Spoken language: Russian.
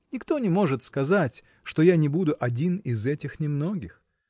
Никто не может сказать, что я не буду один из этих немногих.